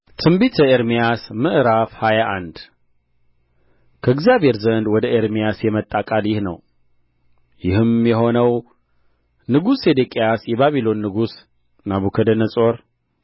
ትንቢተ ኤርምያስ ምዕራፍ ሃያ አንድ ከእግዚአብሔር ዘንድ ወደ ኤርምያስ የመጣ ቃል ይህ ነው ይህም የሆነው ንጉሡ ሴዴቅያስ የባቢሎን ንጉሥ ናቡከደነፆር